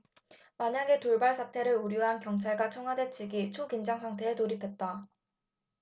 만약의 돌발 사태를 우려한 경찰과 청와대 측이 초긴장상태에 돌입했다